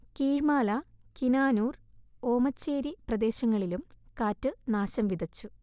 കീഴ്മാല, കിനാനൂർ, ഓമച്ചേരി പ്രദേശങ്ങളിലും കാറ്റ് നാശംവിതച്ചു